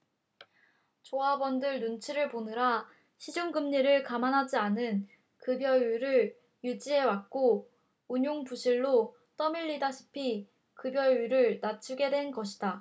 조합원들 눈치를 보느라 시중 금리를 감안하지 않은 급여율을 유지해왔고 운용 부실로 떠밀리다시피 급여율을 낮추게 된 것이다